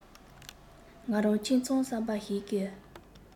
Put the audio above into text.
ང རང ཁྱིམ ཚང གསར པ ཞིག གི